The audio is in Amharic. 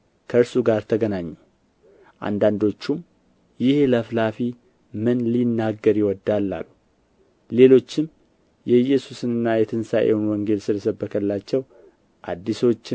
ከእርሱ ጋር ተገናኙ አንዳንዶቹም ይህ ለፍላፊ ምን ሊናገር ይወዳል አሉ ሌሎችም የኢየሱስንና የትንሣኤውን ወንጌል ስለ ሰበከላቸው አዲሶችን